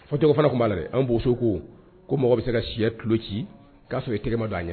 Fɔ tɔgɔ fana tun b'a dɛ an bo ko ko mɔgɔ bɛ se ka si tulolo ci k'a sɔrɔ e terima d'a ye